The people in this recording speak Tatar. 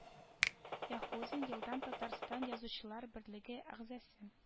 Яһудин елдан татарстан язучылар берлеге әгъзасы